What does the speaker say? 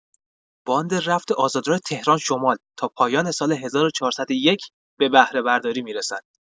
باند رفت آزادراه تهران - شمال تا پایان سال ۱۴۰۱ به بهره برداری می‌رسد.